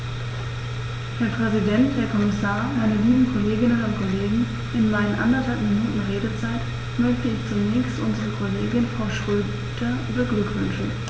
Herr Präsident, Herr Kommissar, meine lieben Kolleginnen und Kollegen, in meinen anderthalb Minuten Redezeit möchte ich zunächst unsere Kollegin Frau Schroedter beglückwünschen.